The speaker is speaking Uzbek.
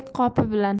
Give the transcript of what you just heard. tezak qopi bilan